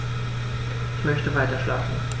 Ich möchte weiterschlafen.